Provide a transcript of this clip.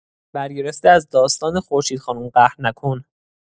برگرفته از داستان خورشید خانم قهر نکن!